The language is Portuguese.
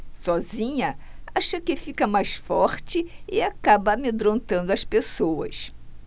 sozinha acha que fica mais forte e acaba amedrontando as pessoas